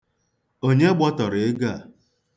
Onye gbọtọrọ ego a?